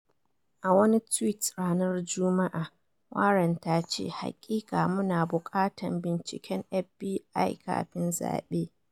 A wani tweet ranar Juma’a, Warren ta ce, “hakika mu na buƙatan bincinken FBI kafin zabe.”